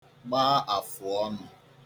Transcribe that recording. gba àfụ̀ọnụ̄